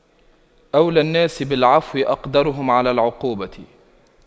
أولى الناس بالعفو أقدرهم على العقوبة